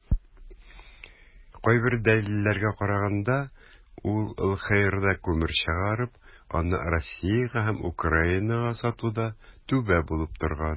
Кайбер дәлилләргә караганда, ул ЛХРда күмер чыгарып, аны Россиягә һәм Украинага сатуга "түбә" булып торган.